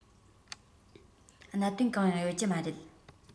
གནད དོན གང ཡང ཡོད ཀྱི མ རེད